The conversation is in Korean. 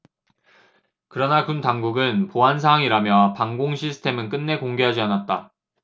그러나 군 당국은 보안사항이라며 방공 시스템은 끝내 공개하지 않았다